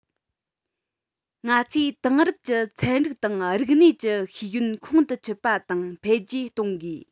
ང ཚོས དེང རབས ཀྱི ཚན རིག དང རིག གནས ཀྱི ཤེས ཡོན ཁོང དུ ཆུད པ དང འཕེལ རྒྱས གཏོང དགོས